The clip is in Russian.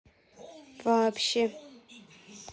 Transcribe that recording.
вообще